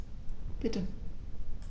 Bitte.